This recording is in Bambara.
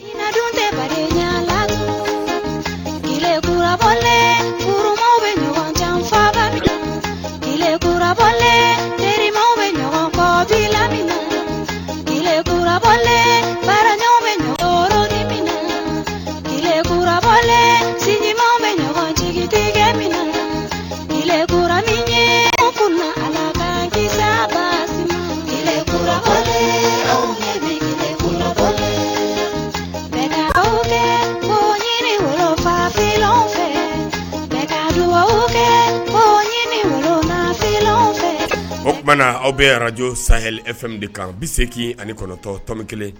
Bɛfa tilele bɛ min tilele bara bɛ tilele j bɛ ɲɔgɔn jigitigɛ min tile minfakelen fɛ kɛ bonkelen fɛ o bana aw bɛ araj sa ef de kan bɛ se k' ani kɔrɔtɔnto kelen